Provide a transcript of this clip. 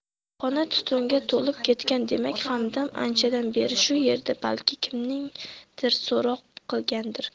xona tutunga to'lib ketgan demak hamdam anchadan beri shu yerda balki kimnidir so'roq qilgandir